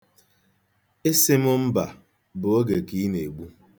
Ịsị m mba bụ oge ka ị na-egbu.